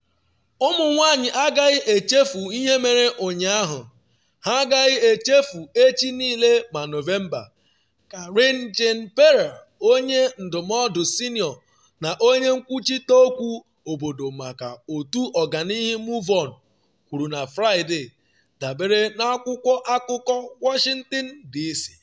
“Ụmụ-nwanyị agaghị echefu ihe mere ụnyahụ - ha agaghị echefu echi niile ma Nọvemba, “ Karine Jean-Pierre, onye ndụmọdụ senịọ na onye nkwuchite okwu obodo maka otu ọganihu MoveOn kwuru na Fraịde, dabere na akwụkwọ akụkọ Washington, D.C.